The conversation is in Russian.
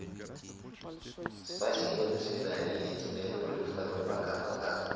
спасибо ты свидание я тебя люблю второй пока пока